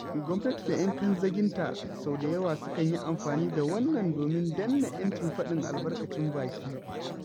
Gwamnati da 'yan kanzaginta sau da yawa sukan yi amfani da wannan domin danne 'yancin faɗin albarkacin baki.